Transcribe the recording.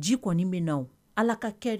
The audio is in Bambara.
Ji kɔni min na ala ka kɛ